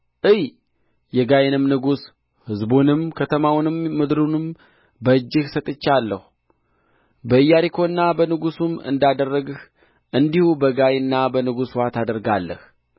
እይ የጋይን ንጉሥ ሕዝቡንም ከተማውንም ምድሩንም በእጅህ ሰጥቼሃለሁ በኢያሪኮና በንጉሥዋም እንዳደረግህ እንዲሁ በጋይና በንጉሥዋ ታደርጋለህ